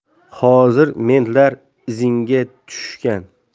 hozir mentlar izingga tushishgan